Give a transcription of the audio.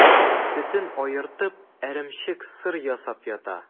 Сөтен аертып, эремчек, сыр ясап сата.